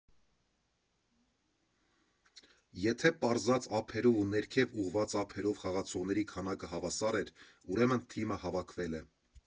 Եթե պարզած ափերով ու ներքև ուղղված ափերով խաղացողների քանակը հավասար էր, ուրեմն թիմը հավաքվել է։